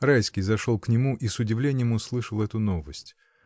Райский зашел к нему и с удивлением услышал эту новость.